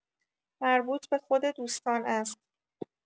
مربوط به خود دوستان است.